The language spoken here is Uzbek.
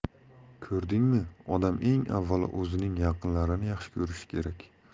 ko'rdingmi odam eng avvalo o'zining yaqinlarini yaxshi ko'rishi kerak